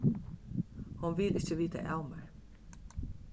hon vil ikki vita av mær